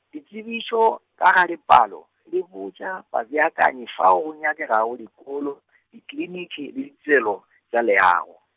ditsebišo ka ga dipalo di botša babeakanyi fao go nyakegago dikolo, dikliniki le ditirelo, tša leago.